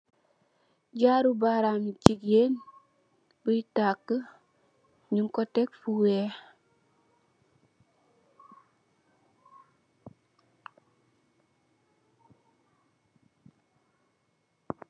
Jarrou barram bou jegueen bouye takk noung ko tek fou weck.